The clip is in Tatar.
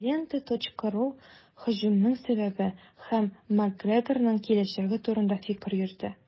"лента.ру" һөҗүмнең сәбәбе һәм макгрегорның киләчәге турында фикер йөртә.